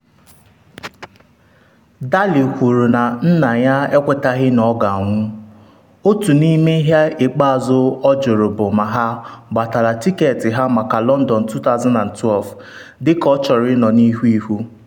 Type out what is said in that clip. Daley kwuru na nna ya ekwetaghị na ọ ga-anwụ, na otu n’ime ihe ikpeazụ ọ jụrụ bụ ma ha gbatala tịketị ha maka London 2012 - dịka ọ chọrọ ịnọ n’ịhu ihu.